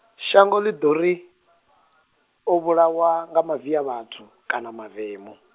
shanga ḽi ḓo ri, o vhulawa, nga maviavhathu, kana mavemu.